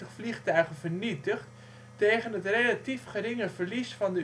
vernietigd tegen het relatief geringe verlies van